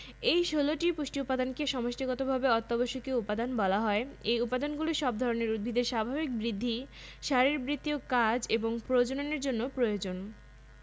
এ ১৬টি পুষ্টি উপাদানকে সমষ্টিগতভাবে অত্যাবশ্যকীয় উপাদান বলা হয় এই উপাদানগুলো সব ধরনের উদ্ভিদের স্বাভাবিক বৃদ্ধি শারীরবৃত্তীয় কাজ এবং প্রজননের জন্য প্রয়োজন